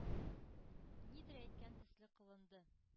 Нидер әйткән төсле кылынды.